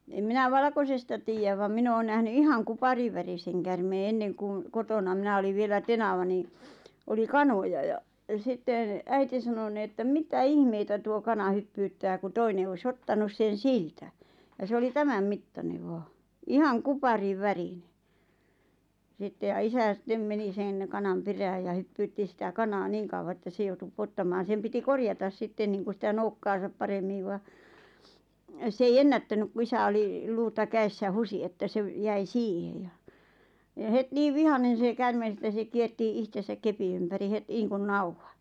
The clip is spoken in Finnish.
en minä valkoisesta tiedä vaan minä olen nähnyt ihan kuparinvärisen käärmeen ennen kun kotona minä olin vielä tenava niin oli kanoja ja ja sitten äiti sanoi niin että mitä ihmeitä tuo kana hyppyyttää kun toinen olisi ottanut sen siltä ja se oli tämän mittainen vain ihan kuparinvärinen sitten ja isä sitten meni sen kanan perään ja hyppyytti sitä kanaa niin kauan että se joutui pudottamaan sen piti korjata sitten niin kuin sitä nokkaansa paremmin vaan se ei ennättänyt kun isä oli luuta kädessä huusi että se - jäi siihen ja ja heti niin vihainen se käärme että se kiersi itsensä kepin ympäri heti niin kuin nauhan